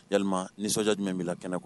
Ya ni nisɔndiya jumɛn min bɛ bila kɛnɛ kuwa